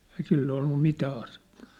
ei sillä ollut mitään asetta